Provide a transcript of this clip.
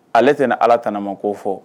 Ale tɛ ni ala t ma ko fɔ